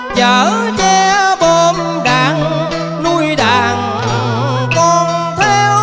chở che bom đạn nuôi đàn con